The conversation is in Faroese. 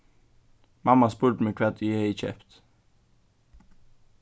mamma spurdi meg hvat ið eg hevði keypt